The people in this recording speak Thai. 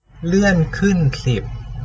เลื่อนขึ้นสิบ